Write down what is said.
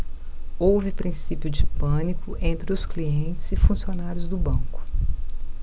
houve princípio de pânico entre os clientes e funcionários do banco